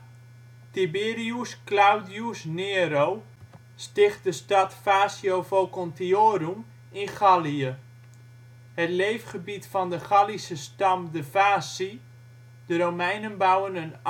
Tiberius Claudius Nero sticht de stad Vasio Vocontiorum in Gallië. Het leefgebied van de Gallische stam de Vasii; de Romeinen bouwen